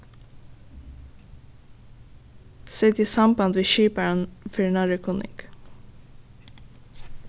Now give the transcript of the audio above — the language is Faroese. set teg í samband við skiparan fyri nærri kunning